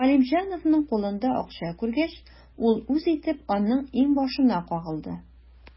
Галимҗановның кулында акча күргәч, ул үз итеп аның иңбашына кагылды.